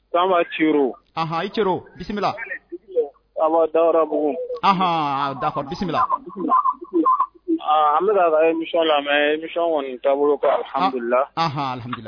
Tan cero cero bisimila dabugu da bisimila an bɛ kɔni taabolo kala